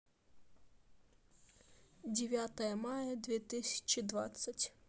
девятое мая две тысячи двадцать